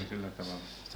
tai sillä -